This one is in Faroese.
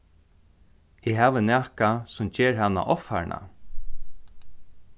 eg havi nakað sum ger hana ovfarna